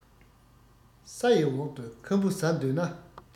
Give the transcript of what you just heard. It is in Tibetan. ས ཡི འོག ཏུ ཁམ བུ ཟ འདོད ན